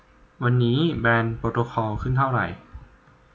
วันนี้แบรนด์โปรโตคอลขึ้นเท่าไหร่